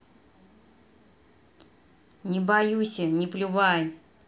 не баюся не плювай